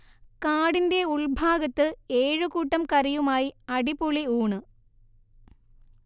കാടിന്റ ഉൾഭാഗത്ത് ഏഴുകൂട്ടം കറിയുമായി അടിപൊളി ഊണ്